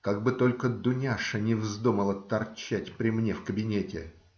Как бы только Дуняша не вздумала торчать при мне в кабинете.